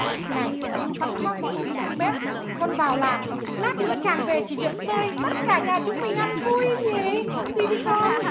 này sẵn có mọi thứ trong bếp con vào làm lát nữa chàng về chỉ việc xơi tất cả nhà chúng mình ăn vui nhỉ đi đi